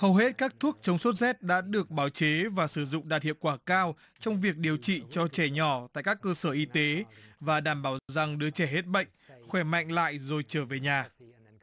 hầu hết các thuốc chống sốt rét đã được báo chí và sử dụng đạt hiệu quả cao trong việc điều trị cho trẻ nhỏ tại các cơ sở y tế và đảm bảo rằng đứa trẻ hết bệnh khỏe mạnh lại rồi chở về nhà